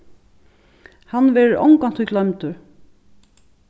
hann verður ongantíð gloymdur